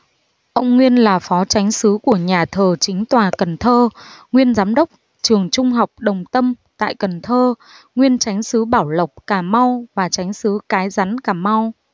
ông nguyên là phó chánh xứ của nhà thờ chính tòa cần thơ nguyên giám đốc trường trung học đồng tâm tại cần thơ nguyên chánh xứ bảo lộc cà mau và chánh xứ cái rắn cà mau